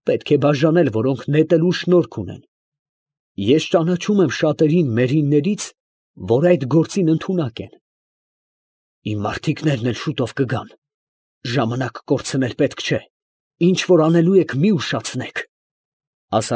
Պետք է բաժանել, որոնք նետելու շնորք ունեն, ես ճանաչում եմ շատերին մերիններից, որ այդ գործին ընդունակ են։ ֊ Իմ մարդիկներն էլ շուտով կգան, ֊ ասաց քուրդը. ֊ ժամանակ կորցնել պետք չէ, ինչ որ անելու եք, մի՛ ուշացնեք։